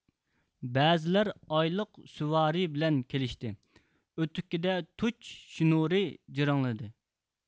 بەزىلەر ئايلىق سۈۋارى بىلەن كېلشتى ئۆتۈكىدە تۇچ شىنۇرى جىرىڭلىدى